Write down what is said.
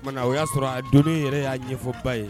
Tuma o y'a sɔrɔ a don yɛrɛ y'a ɲɛfɔba ye